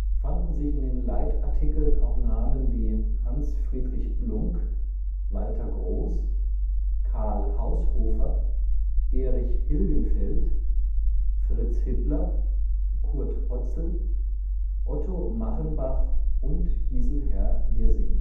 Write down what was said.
fanden sich in den Leitartikeln auch Namen wie Hans Friedrich Blunck, Walter Groß, Karl Haushofer, Erich Hilgenfeldt, Fritz Hippler, Curt Hotzel, Otto Marrenbach und Giselher Wirsing